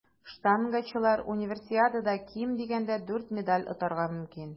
Штангачылар Универсиадада ким дигәндә дүрт медаль отарга мөмкин.